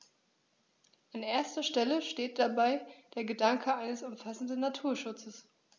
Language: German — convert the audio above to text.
An erster Stelle steht dabei der Gedanke eines umfassenden Naturschutzes.